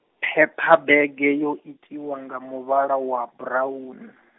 phephabege yo itiwa nga muvhala wa buraunu.